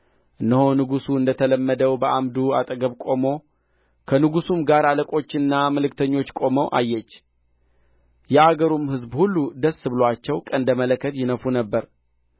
እነሆም ንጉሡ እንደ ተለመደው በዓምዱ አጠገብ ቆሞ ከንጉሡም ጋር አለቆችና መለከተኞች ቆመው አየች የአገሩም ሕዝብ ሁል ደስ ብሎአቸው ቀንደ መለከት ይነፉ ነበር